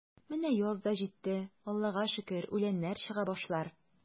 Менә яз да житте, Аллага шөкер, үләннәр чыга башлар.